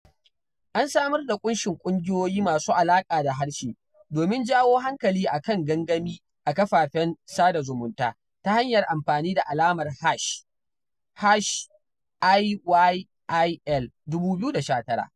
An samar da ƙunshin ƙungiyoyi masu alaƙa da harshe domin jawo hankali a kan gangamin a kafafen sada zumunta ta hanyar amfani da alamar hash #IYIL2019.